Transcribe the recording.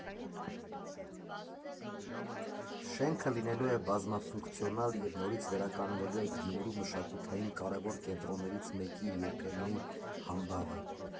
Շենքը լինելու է բազմաֆունկցիոնալ և նորից վերականգնելու է Գյումրու մշակութային կարևոր կենտրոններից մեկի իր երբեմնի համբավը։